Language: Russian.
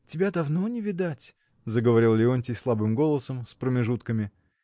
Тебя давно не видать, — заговорил Леонтий слабым голосом, с промежутками.